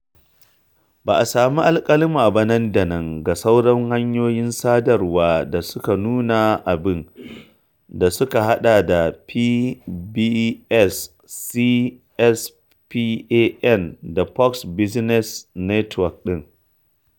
Ba a sami alƙaluma ba nan da nan ga sauran hanyoyin sadarwa da suka nuna abin, da suka haɗa da PBS, C-SPAN da Fox Business Network ɗin.